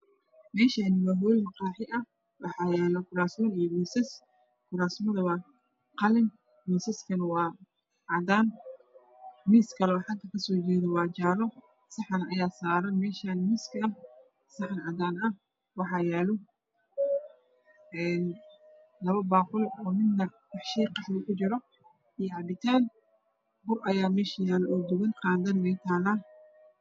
Meeshani waa hool makhaaqi ah waxaa yaalo kurasas iyi misas murasyadu waa qalin misasku waa cadaan miis kaloo xagan kasoo jedo saxan ayaaa saaran meesha saxan cadaan ah labo baaquli ah iyo cabitaan